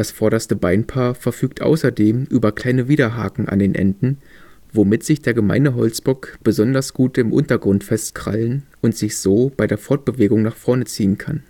vorderste Beinpaar verfügt außerdem über kleine Widerhaken an den Enden, womit sich der Gemeine Holzbock besonders gut im Untergrund festkrallen und sich so bei der Fortbewegung nach vorne ziehen kann